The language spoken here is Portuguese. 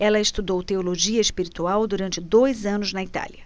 ela estudou teologia espiritual durante dois anos na itália